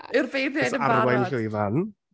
Yw'r beirniaid yn barod? ... Arwain llwyfan.